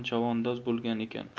chavandoz bo'lgan ekan